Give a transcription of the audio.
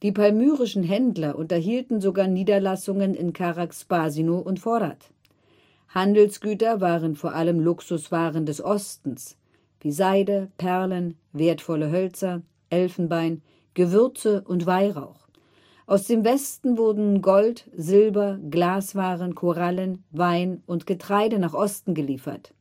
palmyrischen Händler unterhielten sogar Niederlassungen in Charax-Spasinu und Forat. Handelsgüter waren vor allem Luxuswaren des Ostens, wie Seide, Perlen, wertvolle Hölzer, Elfenbein, Gewürze und Weihrauch; aus dem Westen wurden Gold, Silber, Glaswaren, Korallen, Wein und Getreide nach Osten geliefert